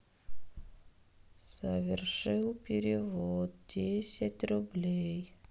соверши перевод десять рублей